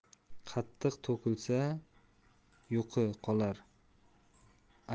qatiq to'kilsa yuqi qolar